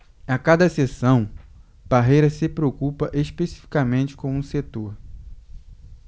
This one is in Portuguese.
a cada sessão parreira se preocupa especificamente com um setor